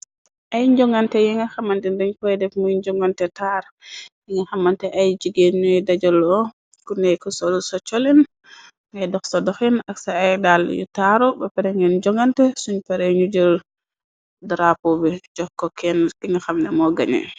Ay njongante yi nga xamanti ndañ poy def muy njongante taar. Yi nga xamante ay jigéet ñuy dajaloo kuneku sol sa colen ngay dox sa doxeen. Ak sa ay daal yu taaru ba perengeen jongante. Suñ pare ñu jër drapo bi joxko kenn ki nga xamne moo gañe.